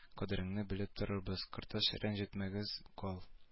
Кадереңне белеп тотарбыз кордаш рәнҗетмәбез кал